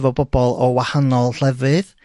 'fo bobol o wahanol lefydd